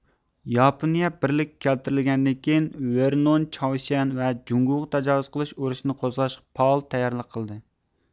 ياپونىيە بىرلىككە كەلتۈرۈلگەندىن كېيىن ۋېرنون چاۋشيەن ۋە جۇڭگوغا تاجاۋۇز قىلىش ئۇرۇشىنى قوزغاشقا پائال تەييارلىق قىلدى